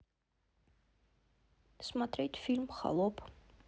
смотреть фильм холоп